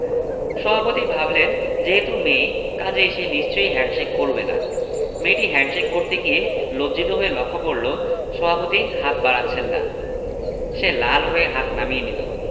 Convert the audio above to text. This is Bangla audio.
সভাপতি ভাবলেন যেহেতু মেয়ে কাজেই সে নিশ্চয়ই হ্যাণ্ডশেক করবে না মেয়েটি হ্যাণ্ডশেক করতে গিয়ে লজ্জিত হয়ে লক্ষ্য করল সভাপতি হাত বাড়াচ্ছেন না সে লাল হয়ে হাত নামিয়ে নিল